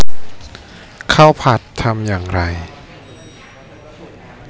ข้าวผัดทำอย่างไร